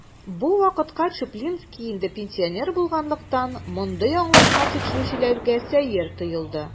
Бу вакытка Чуплинский инде пенсионер булганлыктан, мондый аңлатма тикшерүчеләргә сәер тоелды.